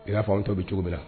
I y'a fɔ an tɔw bɛ cogo min na.